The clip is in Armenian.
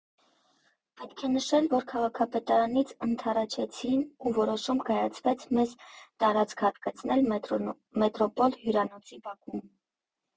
Պետք է նշել, որ քաղաքապետարանից ընդառաջեցին ու որոշում կայացվեց մեզ տարածք հատկացնել «Մետրոպոլ» հյուրանոցի բակում։